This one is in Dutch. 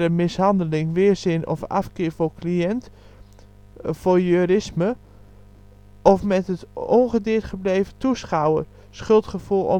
mishandeling, weerzin of afkeer voor cliënt, voyeurisme) of met de ongedeerd gebleven toeschouwer (schuldgevoel